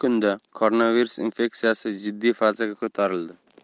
birontasida ham koronavirus infeksiyasi aniqlanmagan